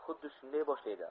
xuddi shunday boshlaydi